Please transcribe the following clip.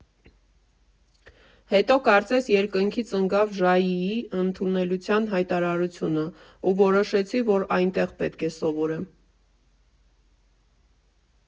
«Հետո կարծես երկնքից ընկավ ԺԱԻ֊ի ընդունելության հայտարարությունը, ու որոշեցի, որ այնտեղ պետք է սովորեմ։